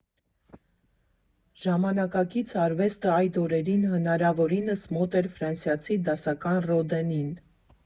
Ժամանակակից արվեստը այդ օրերին հնարավորինս մոտ էր ֆրանսիացի դասական Ռոդենին։